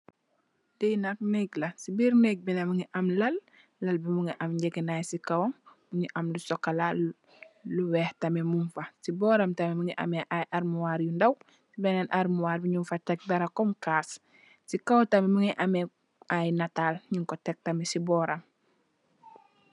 Li nak nèk la ci biir nèk bi nak mugii am lal, lal bi mugi am ngegenai ci kawam, mugii am sokola, lu wèèx tamid mun fa, ci bóram tamit mugii am ay almuwar yu ndaw benen almuwar bi ñing fa tek dara kum kas, ci kaw tamid mugi ameh ay nital ñing ko tek tamid ci bóram.